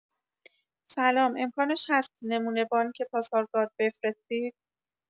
سلام امکانش هست نمونه بانک پاسارگارد بفرستید؟